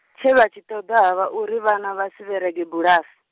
tshe vha tshi ṱoḓa havha uri vhana vhasi vherege bulasi.